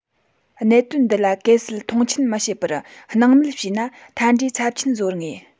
གནད དོན འདི ལ གལ སྲིད མཐོང ཆེན མི བྱེད པར སྣང མེད བྱས ན མཐའ འབྲས ཚབས ཆེན བཟོ བར ངེས